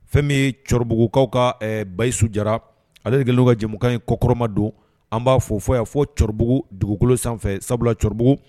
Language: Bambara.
Fɛn min ye cɛkɔrɔbabugukaw ka bayi su jara ale de' ka jamana in kɔkɔrɔma don an b'a fɔ fɔ y'a fɔbugu dugukolo sanfɛ sabula cbugu